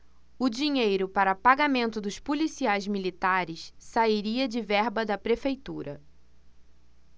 o dinheiro para pagamento dos policiais militares sairia de verba da prefeitura